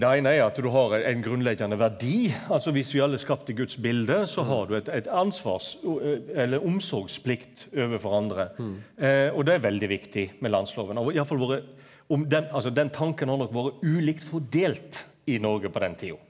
det eine er at du har ein grunnleggande verdi, altså viss vi alle er skapt i guds bilde så har du eit eit eller omsorgsplikt overfor andre og det er veldig viktig med landsloven og har iallfall vore om den altså den tanken har nok vore ulikt fordelt i Noreg på den tida.